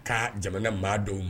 Ka jamana maa dɔw